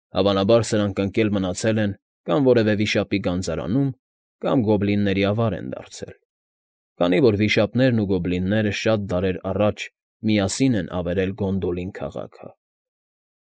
Հավանաբար սրանք ընկել մնացել են կամ որևէ վիշապի գանձարանում, կամ գոբիլնների ավար են դարձել, քանի որ վիշապները ու գոբլինները շատ դարեր առաջ միասին են ավերել Գոնդոլին քաղաքը։